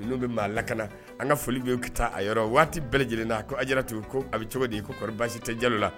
Nu bɛ maa lak na an ka foli'o ki taa a yɔrɔ waati bɛɛ lajɛlenna a ko a jala tun ko a bɛ cogo di koɔri basi tɛ jalo la